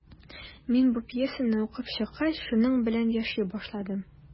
Мин бу пьесаны укып чыккач, шуның белән яши башладым.